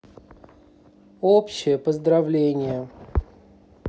общее поздравление